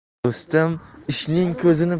do'stim ishning ko'zini